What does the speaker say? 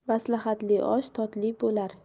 maslahatli osh totli bo'lar